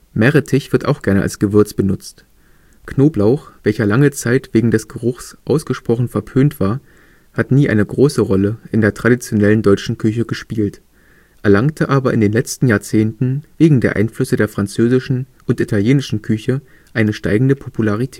Meerrettich wird auch gerne als Gewürz benutzt. Knoblauch, welcher lange Zeit wegen des Geruches ausgesprochen verpönt war, hat nie eine große Rolle in der traditionellen deutschen Küche gespielt, erlangte aber in den letzten Jahrzehnten wegen der Einflüsse der französischen und italienischen Küche eine steigende Popularität